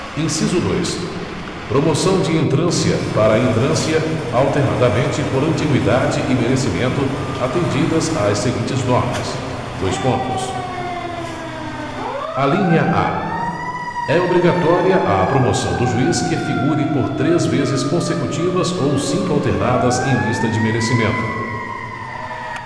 inciso dois promoção de entrância para entrância alternadamente por antigüidade e merecimento atendidas as seguintes normas dois pontos alínea a é obrigatória a promoção do juiz que figure por três vezes consecutivas ou cinco alternadas em lista de merecimento